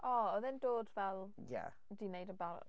O oedd e'n dod fel... Ie ...'di wneud yn barod?